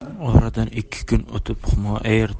oradan ikki kun o'tib humo air